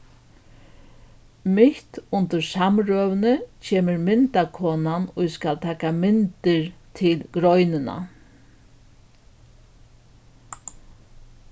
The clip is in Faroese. mitt undir samrøðuni kemur myndakonan ið skal taka myndir til greinina